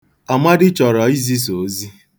Amadi chọrọ izisa ozi.